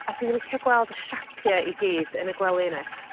a dwi licio gweld y siapie i gyd yn y gwely yn y gwely yne.